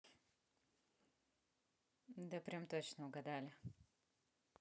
да прям точно угадали